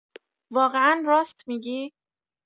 واقعا راست می‌گی؟